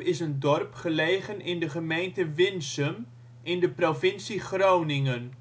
is een dorp gelegen in de gemeente Winsum in de provincie Groningen.